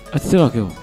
A tɛ se ka kɛ wo.